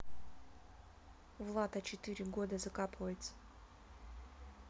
влад а четыре года закапывается